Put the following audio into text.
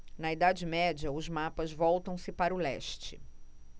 na idade média os mapas voltam-se para o leste